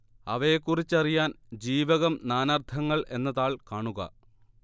അവയെക്കുറിച്ചറിയാൻ ജീവകം നാനാർത്ഥങ്ങൾ എന്ന താൾ കാണുക